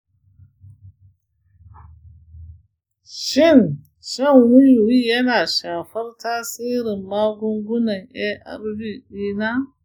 shin shan wiwi yana shafar tasirin magungunan arv ɗina?